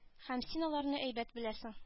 Һәм син аларны әйбәт беләсең